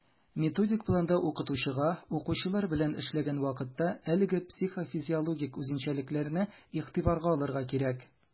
Методик планда укытучыга, укучылар белән эшләгән вакытта, әлеге психофизиологик үзенчәлекләрне игътибарга алырга кирәк.